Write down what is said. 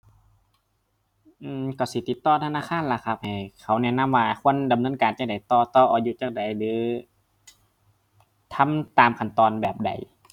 อือ ก็สิติดต่อธนาคารล่ะครับ ให้เขาแนะนำว่าควรดำเนินการจั่งใดต่อ ต่ออายุจั่งใด หรือทำตามขั้นตอนแบบใด